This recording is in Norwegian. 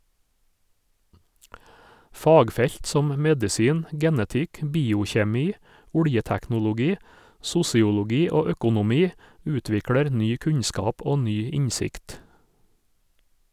Fagfelt som medisin, genetikk, biokjemi, oljeteknologi, sosiologi og økonomi utvikler ny kunnskap og ny innsikt.